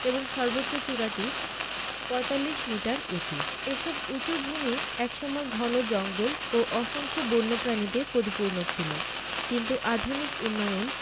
এবং সর্বোচ্চ চূড়াটি ৪৫ মিটার উঁচু এসব উঁচু ভূমি এক সময় ঘন জঙ্গল ও অসংখ্য বন্যপ্রাণীতে পরিপূর্ণ ছিল কিন্তু আধুনিক উন্নয়ন